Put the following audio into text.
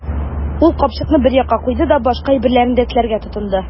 Ул капчыкны бер якка куйды да башка әйберләрен рәтләргә тотынды.